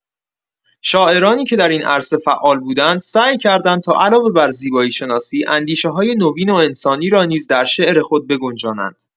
شاعرانی که در این عرصه فعال بودند، سعی کردند تا علاوه بر زیبایی‌شناسی، اندیشه‌های نوین و انسانی را نیز در شعر خود بگنجانند.